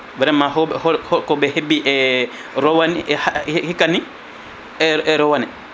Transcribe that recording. vraiment :ra hooɓe ho kooɓe heeɓi e rowane e hikka ni e rowane